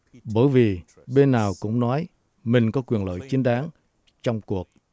bởi vì bên nào cũng nói mình có quyền lợi chính đáng trong cuộc